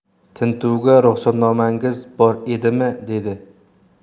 tintuvga ruxsatnomangiz bor edimi dedi